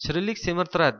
shirinlik semirtiradi